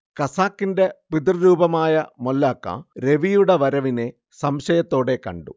ഖസാക്കിന്റെ പിതൃരൂപമായ മൊല്ലാക്ക രവിയുടെ വരവിനെ സംശയത്തോടെ കണ്ടു